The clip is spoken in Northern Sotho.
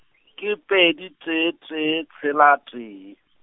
ke pedi tee tee tshela tee.